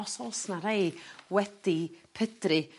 os o's 'na rhei wedi pydru.